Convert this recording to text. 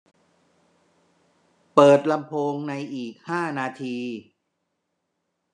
เปิดลำโพงในอีกห้านาที